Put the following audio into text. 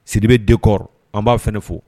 Sibi denk an b'a fɛ ne fo